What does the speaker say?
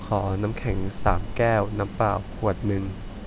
ขอน้ำแข็งสามแก้วน้ำเปล่าขวดหนึ่ง